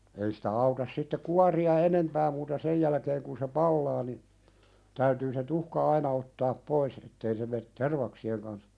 ei sitä auta sitten kuoria enempää muuta sen jälkeen kun se palaa niin täytyy se tuhka aina ottaa pois että ei se mene tervaksien kanssa